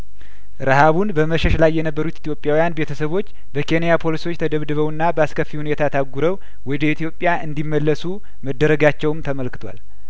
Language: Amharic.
ረሀቡን በመሸሽ ላይ የነበሩት ኢትዮጵያውያን ቤተሰቦች በኬንያ ፖሊሶች ተደብድበውና በአስከፊ ሁኔታ ታጉረው ወደ ኢትዮጵያ እንዲመለሱ መደረጋቸውም ተመልክቷል